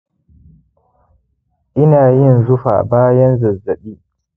ina yin zufa bayan zazzaɓi